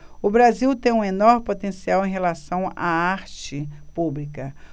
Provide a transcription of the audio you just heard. o brasil tem um enorme potencial em relação à arte pública